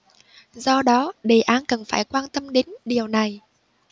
do đó đề án cần phải quan tâm đến điều này